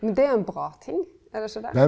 men det er ein bra ting, er det ikkje det?